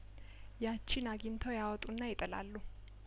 ያቺን አግኝተው ያወጡና ይጥላሉ